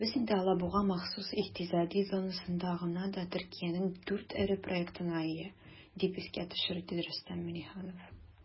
"без инде алабуга махсус икътисади зонасында гына да төркиянең 4 эре проектына ия", - дип искә төшерде рөстәм миңнеханов.